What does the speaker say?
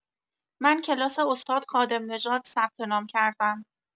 من کلاس استاد خادم نژاد ثبت‌نام کردم